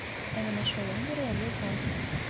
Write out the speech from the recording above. Ә менә шаян җырлар язган!